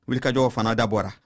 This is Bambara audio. wulikajɔw fana dabɔra